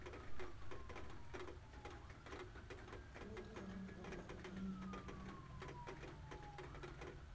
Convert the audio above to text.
фотка ламборгини